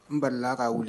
Nbalila k ka wuli